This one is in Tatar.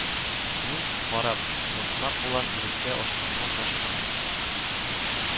Мин, карап, басмак булам иреккә ашкынуның ташкынын